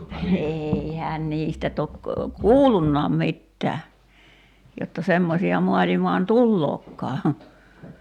eihän niistä toki kuullutkaan mitään jotta semmoisia maailmaan tuleekaan